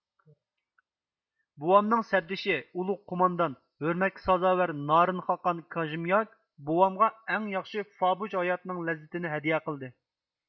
بوۋامنىڭ سەپدىشى ئۇلۇغ قوماندان ھۆرمەتكە سازاۋەر نارىن خاقان كاژېمياك بوۋامغا ئەڭ ياخشى فابۇچ ھاياتنىڭ لەززىتىنى ھەدىيە قىلدى